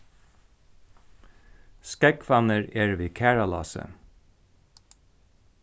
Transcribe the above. skógvarnir eru við karðalási